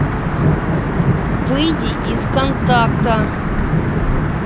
выйди из контакта